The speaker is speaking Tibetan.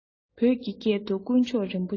བོད ཀྱི སྐད དུ དཀོན མཆོག རིན པོ ཆེ